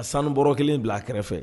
Ka sanu bɔ kelen bila a kɛrɛfɛ